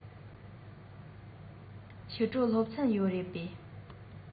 ཕྱི དྲོ སློབ ཚན ཡོད རེད པས